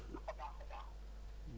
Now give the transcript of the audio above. aka baax a baax